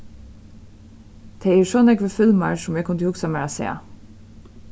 tað eru so nógvir filmar sum eg kundi hugsað mær at sæð